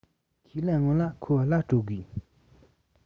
ཁས ལེན སྔོན ལ ཁོ ལ སྤྲོད དགོས